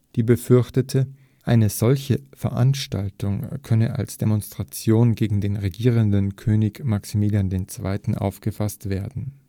die befürchtete, eine solche Veranstaltung könne als Demonstration gegen den regierenden König Maximilian II. aufgefasst werden